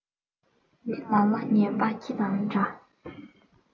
མི ལ ལ ངན པ ཁྱི དང འདྲ